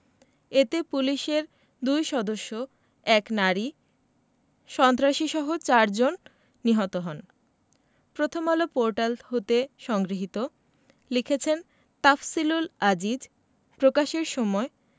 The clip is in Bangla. এতে পুলিশের দুই সদস্য এক নারী সন্ত্রাসীসহ চারজন নিহত হন প্রথমআলো পোর্টাল হতে সংগৃহীত লিখেছেন তাফসিলুল আজিজ প্রকাশের সময়